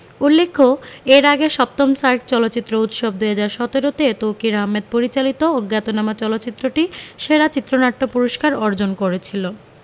উল্লেখ্য এর আগে ৭ম সার্ক চলচ্চিত্র উৎসব ২০১৭ তে তৌকীর আহমেদ পরিচালিত অজ্ঞাতনামা চলচ্চিত্রটি সেরা চিত্রনাট্য পুরস্কার অর্জন করেছিল